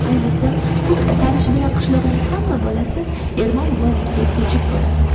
ayniqsa tut oqarishi bilan qishloqning hamma bolasi ermon buvanikiga ko'chib boradi